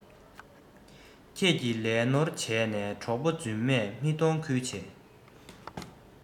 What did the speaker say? ཁྱེད ཀྱི ལས ནོར བྱས ནས གྲོགས པོ རྫུན མས མི མཐོང ཁུལ བྱེད